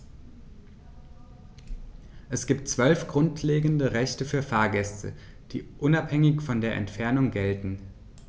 Es gibt 12 grundlegende Rechte für Fahrgäste, die unabhängig von der Entfernung gelten.